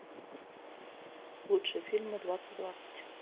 лучшие фильмы двадцать двадцать